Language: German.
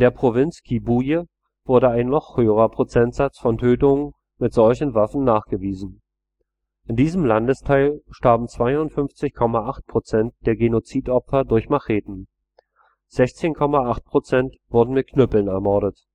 Provinz Kibuye wurde ein noch höherer Prozentsatz von Tötungen mit solchen Waffen nachgewiesen. In diesem Landesteil starben 52,8 Prozent der Genozidopfer durch Macheten, weitere 16,8 Prozent wurden mit Knüppeln ermordet